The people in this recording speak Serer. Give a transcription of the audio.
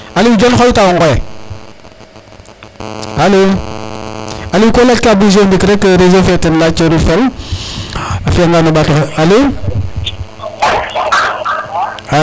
Aliou Dione xoyta a ŋoye alo Aliou ko yac bouger o ndik rek reseau fe te yaceri fel a fiyta ngan o ɓato xoyit